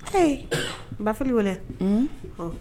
Ee Bafili walaa!